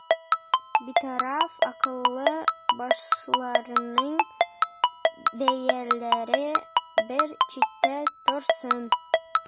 Битараф акыллы башларның бәяләре бер читтә торсын.